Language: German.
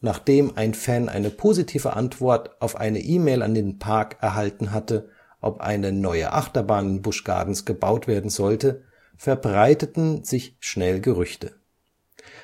Nachdem ein Fan eine positive Antwort auf eine E-Mail an den Park erhalten hatte, ob eine neue Achterbahn in Busch Gardens gebaut werden sollte, verbreiteten sich schnell Gerüchte.